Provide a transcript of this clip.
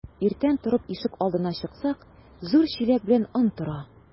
Иртән торып ишек алдына чыксак, зур чиләк белән он тора.